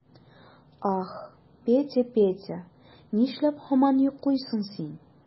Ах, Петя, Петя, нишләп һаман йоклыйсың син?